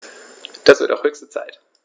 Das wird auch höchste Zeit!